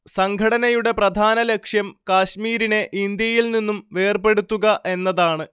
സംഘടനയുടെ പ്രധാനലക്ഷ്യം കാശ്മീരിനെ ഇന്ത്യയിൽ നിന്നും വേർപെടുത്തുക എന്നതാണ്